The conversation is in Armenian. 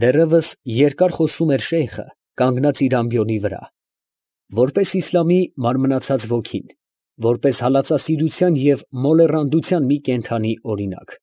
Դեռևս երկար խոսում էր Շեյխը, կանգնած իր ամբիոնի վրա, որպես Իսլամի մարմնացած ոգին, որպես հալածասիրության և մոլեռանդության մի կենդանի օրինակ։